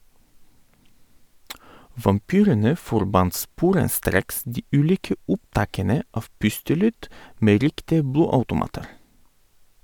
Vampyrene forbant sporenstreks de ulike opptakene av pustelyd med riktige blodautomater.